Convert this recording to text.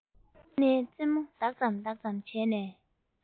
སྣའི རྩེ མོ ལྡག ཙམ ལྡག ཙམ བྱས ནས